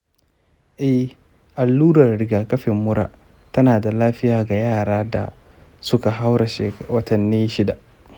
eh, allurar rigakafin mura tana da lafiya ga yara da suka haura watanni shida.